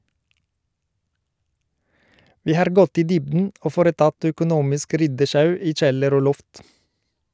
- Vi har gått i dybden og foretatt økonomisk ryddesjau i kjeller og loft.